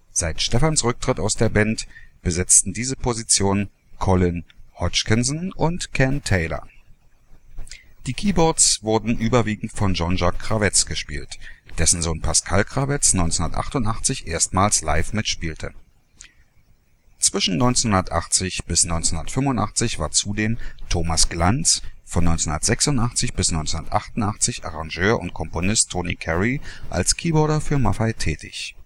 Seit Stephans Rücktritt aus der Band besetzten diese Position Colin Hodgkinson und Ken Taylor. Die Keyboards wurden überwiegend von Jean-Jacques Kravetz gespielt, dessen Sohn Pascal Kravetz 1988 erstmals live mitspielte. Zwischen 1980 bis 1985 war zudem Thomas Glanz, von 1986 bis 1988 Arrangeur und Komponist Tony Carey als Keyboarder für Maffay tätig